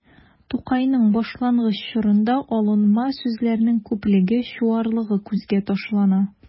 Тукайның башлангыч чорында алынма сүзләрнең күплеге, чуарлыгы күзгә ташлана.